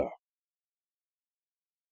Կա։